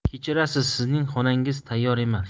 kechirasiz sizning xonangiz tayyor emas